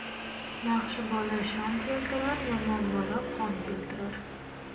yaxshi bola shon keltirar yomon bola qon keltirar